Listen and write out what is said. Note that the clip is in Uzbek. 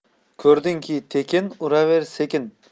ko'rdingki tekin uraver sekin